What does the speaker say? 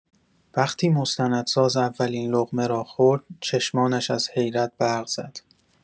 وقتی مستندساز اولین لقمه را خورد، چشمانش از حیرت برق زد.